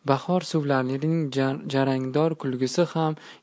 bahor suvlarining jarangdor kulgisi ham